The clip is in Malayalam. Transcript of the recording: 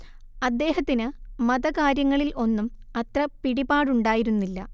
അദ്ദേഹത്തിന് മതകാര്യങ്ങളിൽ ഒന്നും അത്ര പിടിപാടുണ്ടായിരുന്നില്ല